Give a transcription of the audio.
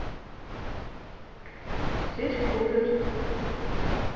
здесь курят